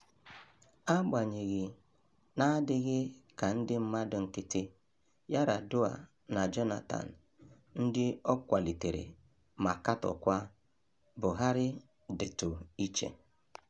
Agbanyeghị, na-adịghị ka ndị mmadụ nkịtị — Yar'Adua na Jonathan — ndị ọ kwalitere ma katọọkwa, Buhari dịtụ iche.